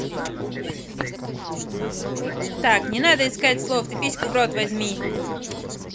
так не надо искать слов ты письку в рот возьми